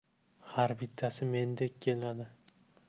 har bittasi mendek keladi